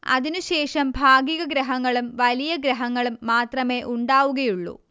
അതിനുശേഷം ഭാഗികഗ്രഹണങ്ങളും വലി യഗ്രഹണങ്ങളും മാത്രമേ ഉണ്ടാവുകയുള്ളൂ